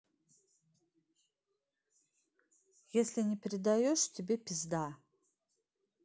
если не передаешь тебе пизда